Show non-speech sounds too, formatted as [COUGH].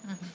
[HESITATION] [HESITATION]